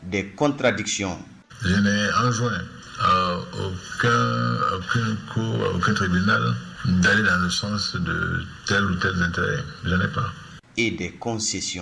De kɔntadikisiɔn anson ɔ ka koto bɛ na da la sɔn tɛ tɛ nte ne pan e de kɔnsesiɔn